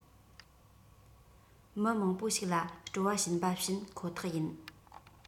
མི མང པོ ཞིག ལ སྤྲོ བ བྱིན པ བྱིན ཁོ ཐག ཡིན